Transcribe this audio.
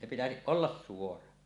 se pitäisi olla suora